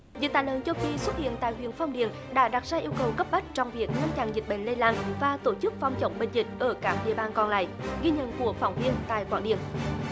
dịch tả lợn châu phi xuất hiện tại huyện phong điền đã đặt ra yêu cầu cấp bách trong việc ngăn chặn dịch bệnh lây lan và tổ chức phòng chống bệnh dịch ở các địa bàn còn lại ghi nhận của phóng viên tại quảng điền